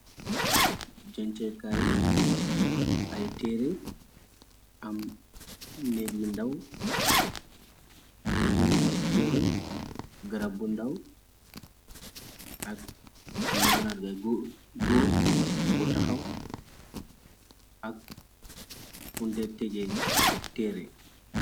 Janchekaay ay téere am nek yu ndaw pur ay téere grab bu ndaw ak madarga góor bu taxaw ak funde tege téere.